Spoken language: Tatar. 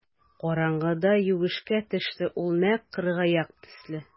Караңгыда юешкә төште ул нәкъ кыргаяк төсле.